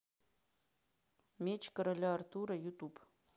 меч короля артура ютуб